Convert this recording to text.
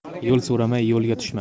yo'l so'ramay yo'lga tushma